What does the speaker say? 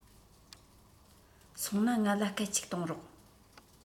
སོང ན ང ལ སྐད ཅིག གཏོང རོགས